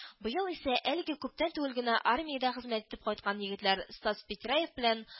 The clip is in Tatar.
Быел исә әле күптән түгел генә армиядә хезмәт итеп кайткан егетләр - Стас Петряев белән